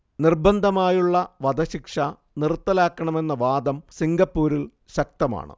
നിർബന്ധമായുള്ള വധശിക്ഷ നിർത്തലാക്കണമെന്ന വാദം സിംഗപ്പുറിൽ ശക്തമാണ്